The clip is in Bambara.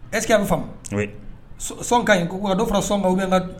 Ɛski bɛ fa sɔn ka ɲi ko a dɔ fana sɔn ka bɛ ka